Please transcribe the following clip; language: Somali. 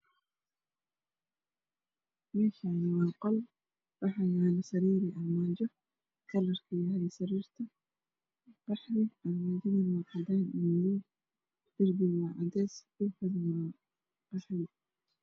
Meshaani waa qool waxaa yala sariir iyo armajo kalrakuna yahay sariirta qaxwi armajadana cadan iyo madoowi derbigana waa cadews dhulkuna waa qaxwi